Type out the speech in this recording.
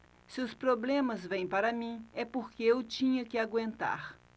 se os problemas vêm para mim é porque eu tinha que aguentar